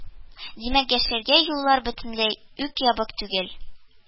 Димәк, яшьләргә юллар бөтенләй үк ябык түгел